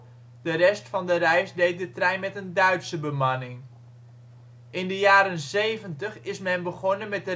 De rest van de reis reed de trein met een Duitse bemanning. In de jaren zeventig is men begonnen met